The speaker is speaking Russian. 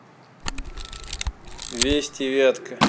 вести вятка